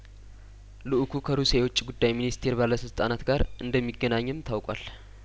ልኡኩ ከሩሲያ የውጭ ጉዳይ ሚኒስቴር ባለስልጣናት ጋር እንደሚገናኝም ታውቋል